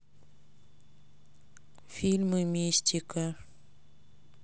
фильмы мистика